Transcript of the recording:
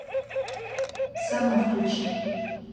сама включи